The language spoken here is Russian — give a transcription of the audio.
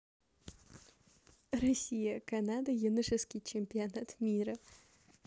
россия канада юношский чемпионат мира